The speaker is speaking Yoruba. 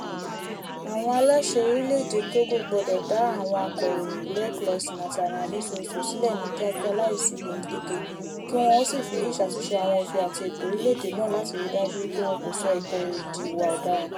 Àwọn aláṣẹ orílẹ̀ èdè Togo gbọ́dọ̀ dá àwọn akọ̀ròyìn Loic Lawson àti Anani Sossou sílẹ̀ ní kíákíá láìsí gbèǹdéke, kí wọ́n ó sì fi èyí ṣàtúnṣe àwọn òfin àti ètò orílẹ̀ èdè náà láti ríi dájú wípé wọn kò sọ ìkọ̀ròyìn di ìwà ọdaràn.